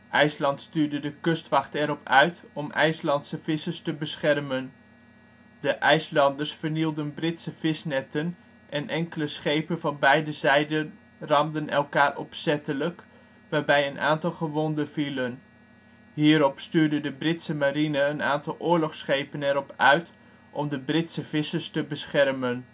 IJsland stuurde de kustwacht eropuit om de IJslandse vissers te beschermen. De IJslanders vernielden Britse visnetten en enkele schepen van beide zijden ramden elkaar opzettelijk, waarbij een aantal gewonden vielen. Hierop stuurde de Britse marine een aantal oorlogsschepen eropuit om de Britse vissers te beschermen